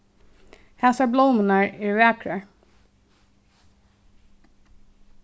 hasar blómurnar eru vakrar